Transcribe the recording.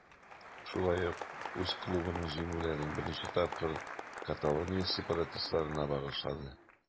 Ул шулай ук үз клубының җиңүләрен берничә тапкыр Каталония сепаратистларына багышлады.